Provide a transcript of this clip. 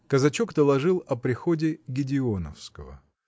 Казачок доложил о приходе Гедеоновского.